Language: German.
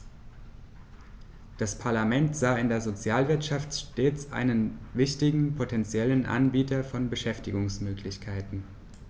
Das Parlament sah in der Sozialwirtschaft stets einen wichtigen potentiellen Anbieter von Beschäftigungsmöglichkeiten.